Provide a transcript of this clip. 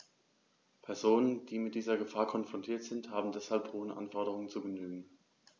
Personen, die mit dieser Gefahr konfrontiert sind, haben deshalb hohen Anforderungen zu genügen.